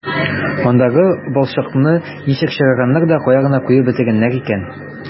Андагы балчыкны ничек чыгарганнар да кая гына куеп бетергәннәр икән...